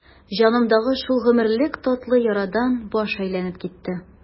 Җанымдагы шул гомерлек татлы ярадан баш әйләнеп китте.